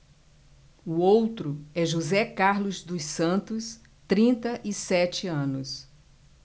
o outro é josé carlos dos santos trinta e sete anos